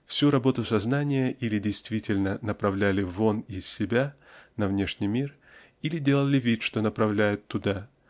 Всю работу сознания или действительно направляли вон из себя на внешний мир или делали вид что направляют туда